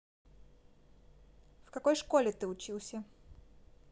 в какой школе ты учился